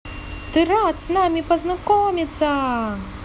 ты рад с нами познакомиться